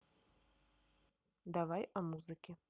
давай о музыке